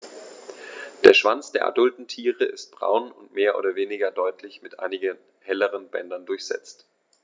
Der Schwanz der adulten Tiere ist braun und mehr oder weniger deutlich mit einigen helleren Bändern durchsetzt.